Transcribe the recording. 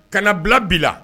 Ka na bila bila